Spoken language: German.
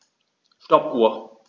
Stoppuhr.